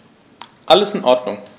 Alles in Ordnung.